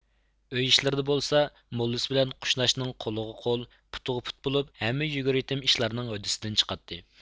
ئۆي ئىشلىرىدا بولسا موللىسى بىلەن قۇشناچنىڭ قولىغا قول پۇتىغا پۇت بولۇپ ھەممە يۈگۈر يېتىم ئىشلارنىڭ ھۆددىسىدىن چىقاتتى